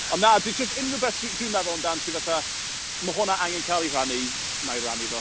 Ond na, dwi jyst, unrhywbeth ti'n meddwl amdan, ti fatha, ma' hwnna angen cael ei rannu, wna i rannu fo.